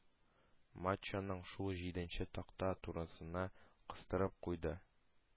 Матчаның шул җиденче такта турысына кыстырып куйды.